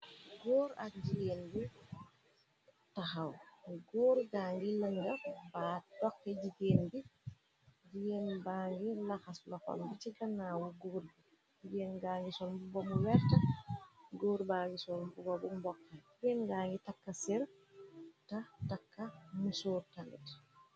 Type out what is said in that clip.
góor ak jigeen bi taxaw góor gangi lënga baa dokxe jigéen bi jiyeen ba ngi laxas lopam bi ci ganaawu góor bi jeen gaa ngi son bu bomu wert góor ba ngi sol bo bu mboxe geen ga ngi takka ser ta takka mu soor tanit